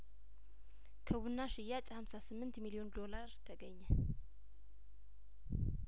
ከቡና ሽያጭ ሀምሳ ስምንት ሚሊዮን ዶላር ተገኘ